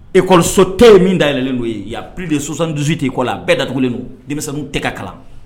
E kɔni sotɔ ye min dayɛlɛnlen' ye p de sosan dusu tɛ i kɔ la a bɛɛ datlen don denmisɛnwmi tɛ ka kalan